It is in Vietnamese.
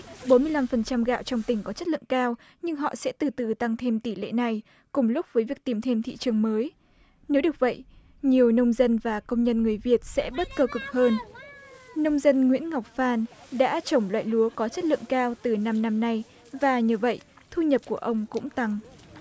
bốn mươi lăm phần trăm gạo trong tỉnh có chất lượng cao nhưng họ sẽ từ từ tăng thêm tỷ lệ này cùng lúc với việc tìm thêm thị trường mới nếu được vậy nhiều nông dân và công nhân người việt sẽ bớt cơ cực hơn nông dân nguyễn ngọc phan đã trồng loại lúa có chất lượng cao từ năm năm nay và nhờ vậy thu nhập của ông cũng tăng